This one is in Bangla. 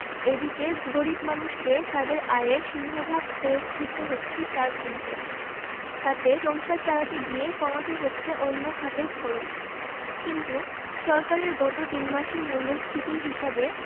এদিকে গরিব মানুষকে তাঁদের আয়ের সিংহভাগ খরচ করতে হচ্ছে চাল কিনতে তাতে সংসার চালাতে গিয়ে কমাতে হচ্ছে অন্য খাতের খরচ কিন্তু সরকারের গত তিন মাসের মূল্যস্ফীতির হিসাবে